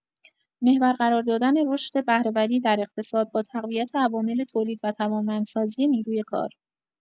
محور قرار دادن رشد بهره‌وری در اقتصاد، با تقویت عوامل تولید و توانمندسازی نیروی کار